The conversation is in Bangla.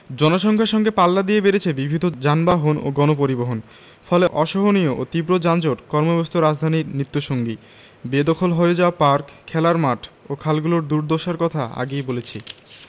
জনসংখ্যার সঙ্গে পাল্লা দিয়ে বেড়েছে বিবিধ যানবাহন ও গণপরিবহন ফলে অসহনীয় ও তীব্র যানজট কর্মব্যস্ত রাজধানীর নিত্যসঙ্গী বেদখল হয়ে যাওয়া পার্ক খেলার মাঠ ও খালগুলোর দুর্দশার কথা আগেই বলেছি